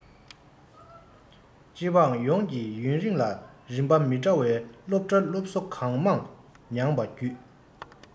སྤྱི འབངས ཡོངས ཀྱིས ཡུན རིང ལ རིམ པ མི འདྲ བའི སློབ གྲྭའི སློབ གསོ གང མང མྱངས པ བརྒྱུད